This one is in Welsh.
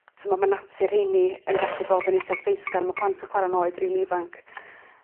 T'mo' ma' natur rheini yn gallu bod yn eitha treisgar. Ma' plant yn chwara'n oed rili ifanc.